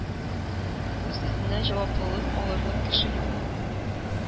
Үз өстенә җаваплылык алырлык кеше юк!